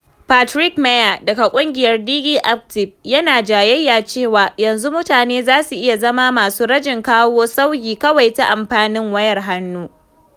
Patrick Meier daga Ƙungiyar DigiActive yana jayayyar cewa, yanzu mutane za su iya zama masu rajin kawo sauyi kawai ta amfani wayar hannu.